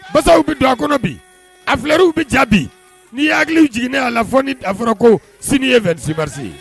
Masasaw bɛ don a kɔnɔ bi a filɛw bɛ jaabi n nii hakiliw jigininɛ'a la fɔ n ni dafa fɔra ko sini ye vba ye